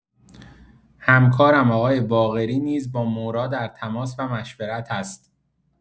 همکارم آقای باقری نیز با مورا در تماس و مشورت است.